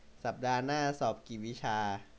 สัปดาห์หน้าสอบกี่วิชา